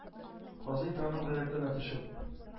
Казый, тагын гайрәтләнә төшеп: